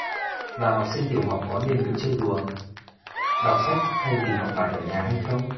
và học sinh tiểu học có nên được chơi đùa đọc sách thay vì học bài ở nhà hay không